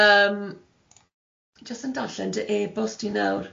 Yym, jyst yn darllen dy e-bost di nawr.